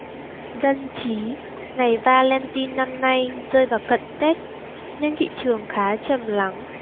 dân trí ngày valentine năm nay rơi vào cận tết nên thị trường khá trầm lắng